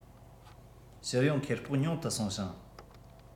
ཕྱིར ཡོང ཁེ སྤོགས ཉུང དུ སོང ཞིང